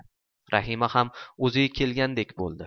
rahima ham o'ziga kelgandek bo'ldi